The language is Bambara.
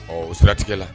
Ɔ siratigɛ la